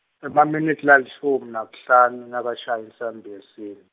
emaminitsi lalishumi nakuhlanu, ingakashayi insimbi yesi-.